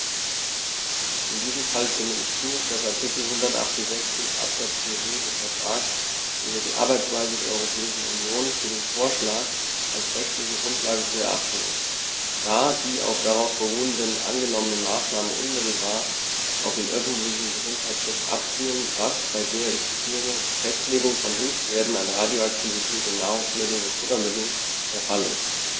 In diesem Fall stimme ich zu, dass Artikel 168 Absatz 4b des Vertrags über die Arbeitsweise der Europäischen Union für den Vorschlag als rechtliche Grundlage zu erachten ist, da die auf darauf beruhenden angenommenen Maßnahmen unmittelbar auf den öffentlichen Gesundheitsschutz abzielen, was bei der - ich zitiere - "Festlegung von Höchstwerten an Radioaktivität in Nahrungsmitteln und Futtermitteln" der Fall ist.